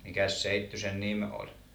mikäs seittyisen nimi oli